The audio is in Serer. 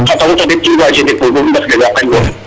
xa taxu ta deɓ,